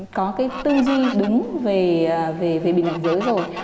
có cái tư duy đúng về về về bình đẳng giới rồi